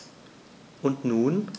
Und nun?